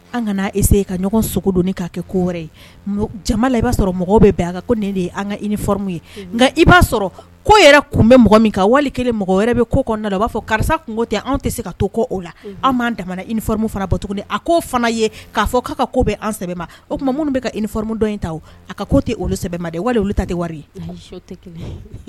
An ka ka' kɛ ko ye jama i b'a sɔrɔ mɔgɔ bɛ ko de ye an ka nimu ye i b'a sɔrɔ ko kun bɛ mɔgɔ min wali mɔgɔ wɛrɛ bɛ ko u b'a fɔ karisa kun tɛ anw tɛ se ka ko o la an b'an imu fana bɔt tuguni a ko fana ye'a fɔ'a ka ko bɛ an sɛbɛ ma o tuma minnu bɛ ta a ko tɛ olu sɛbɛ olu ta wari